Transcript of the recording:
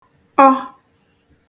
ọ